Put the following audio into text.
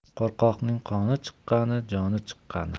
qo'rqoqning qoni chiqqani joni chiqqani